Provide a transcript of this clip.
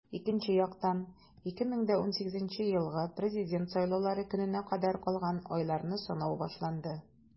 Икенче яктан - 2018 елгы Президент сайлаулары көненә кадәр калган айларны санау башланды.